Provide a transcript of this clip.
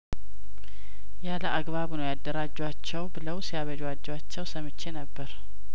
ያለ አግባብ ነው ያደራጇቸው ብለው ሲያበጃጇቸው ሰምቼ ነበር